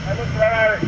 allo salaamaaleykum